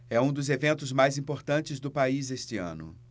é um dos eventos mais importantes do país este ano